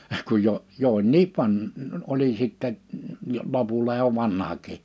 kun jo jo oli niin - oli sitten jo lopulla jo vanhakin